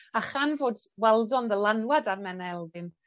A chan fod Waldo'n ddylanwad ar Menna Elfyn,